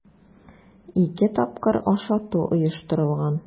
Ике тапкыр ашату оештырылган.